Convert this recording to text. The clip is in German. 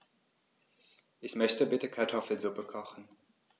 Ich möchte bitte Kartoffelsuppe kochen.